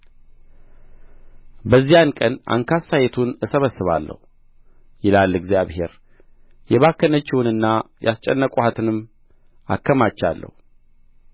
በዚያ ቀን አንካሳይቱን እሰበስባለሁ ይላል እግዚአብሔር የባከነችውንና ያስጨነቅኋትንም አከማቻለሁ